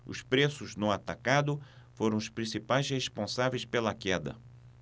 os preços no atacado foram os principais responsáveis pela queda